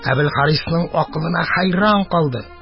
Әбелхарисның акылына хәйран калды